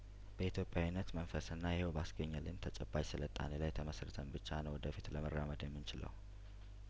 በኢትዮጵያዊነት መንፈስና ይኸው ባስ ገኘ ልን ተጨባጭ ስልጣኔ ላይ ተ መስርተን ብቻ ነው ወደፊት ለመራመድ የምን ችለው